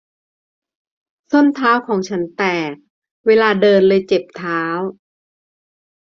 ส้นเท้าของฉันแตกเวลาเดินเลยเจ็บเท้า